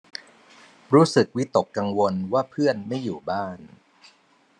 รู้สึกวิตกกังวลว่าเพื่อนไม่อยู่บ้าน